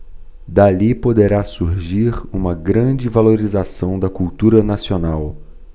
dali poderá surgir uma grande valorização da cultura nacional